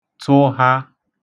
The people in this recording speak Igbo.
tụha